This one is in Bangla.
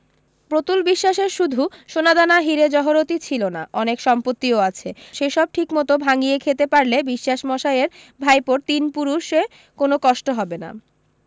প্রতুল বিশ্বাসের শুধু সোনাদানা হীরে জহরতি ছিল না অনেক সম্পত্তিও আছে সে সব ঠিক মতো ভাঙিয়ে খেতে পারলে বিশ্বাস মশায়ের ভাইপোর তিন পুরুষে কোনো কষ্ট হবে না